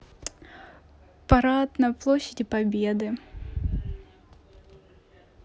парад на площади победы